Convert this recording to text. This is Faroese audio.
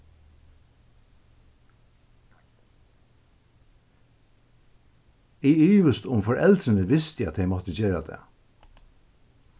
eg ivist um foreldrini vistu at tey máttu gera tað